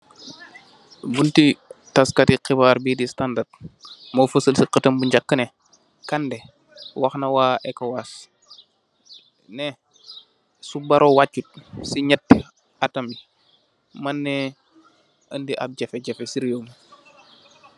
Butti tas katti xibaryi di Standard mo fasal ci xatam bu njak neh Kandeh wax na wa ECOWAS neh su Barrow wachut ci ñetti atamyi man na endi jafe jafe ci dekka bi.